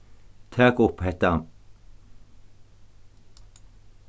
tak upp hetta